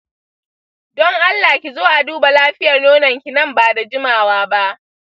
don allah kizo a duba lafiyar nononki nan bada jimawa ba.